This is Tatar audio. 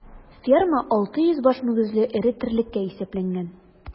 Ферма 600 баш мөгезле эре терлеккә исәпләнгән.